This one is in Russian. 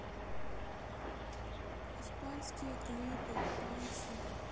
испанские клипы танцы